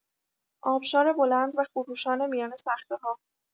آبشار بلند و خروشان میان صخره‌ها